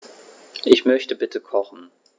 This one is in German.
Ich möchte bitte kochen.